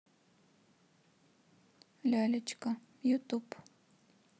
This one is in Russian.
лялечка ютуб